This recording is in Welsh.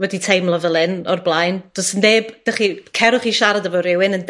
wedi teimlo fel 'yn o'r blaen. Do's neb... 'Dych chi... Cerwch i siarad efo rhywun yn